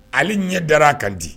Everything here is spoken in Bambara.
Ale ɲɛ dala ka di.